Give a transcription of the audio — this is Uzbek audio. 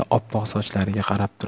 oppoq sochlariga qarab turib